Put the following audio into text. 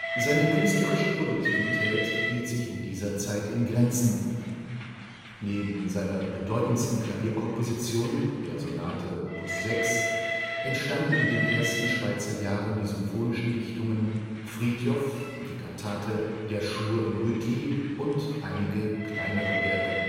Seine künstlerische Produktivität hielt sich in dieser Zeit in Grenzen: Neben seiner bedeutendsten Klavierkomposition, der Sonate op. 6, entstanden in den ersten Schweizer Jahren die Symphonische Dichtung Frithjof, die Kantate Der Schwur im Rütli und einige kleinere Werke